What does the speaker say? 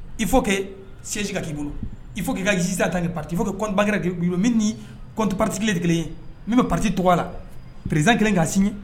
I fɔ kɛ siji ka k'i bolo i fɔ k'i kai tan pari fo kɛ kɔnpkɛ min ni kɔnp pati de kelen min bɛ priti tɔgɔ a la priz kelen ka' sini